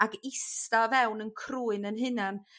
Ag ista o fewn 'yn crwyn 'yn hunan.